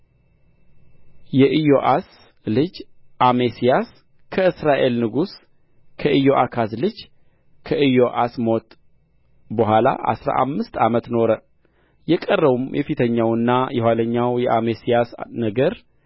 የኢዮአስ ልጅ አሜስያስ ከእስራኤል ንጉሥ ከኢዮአካዝ ልጅ ከኢዮአስ ሞት በኋላ አሥራ አምስት ዓመት ኖረ የቀረውም የፊተኛውና የኋላኛው የአሜስያስ ነገር